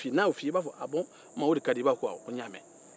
n'a y'o fɔ i ye i b'a fɔ awɔ n y'a mɛn